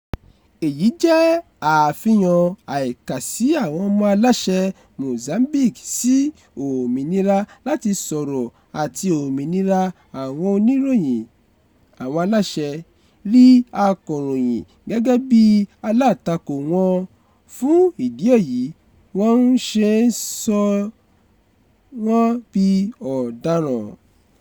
Èyí jẹ́ àfihàn àìkàsí àwọn aláṣẹ Mozambique sí òmìnira láti sọ̀rọ̀ àti òmìnira àwọn oníròyìn... [àwọn aláṣẹ] rí akọ̀ròyìn gẹ́gẹ́ bí alátakò wọn [fún ìdí èyí] wọ́n ń ṣe wọ́n bí ọ̀daràn.